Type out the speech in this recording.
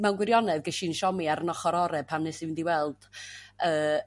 mewn gwirionedd ges i'n siomi ar yr ochr ore' pan nes i fynd i weld